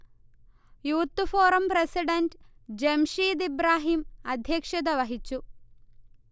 youth forum president Jamsheed Ibrahim അദ്ധ്യക്ഷത വഹിച്ചു